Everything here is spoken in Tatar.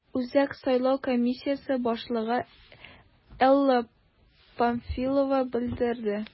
Үзәк сайлау комиссиясе башлыгы Элла Памфилова белдерде: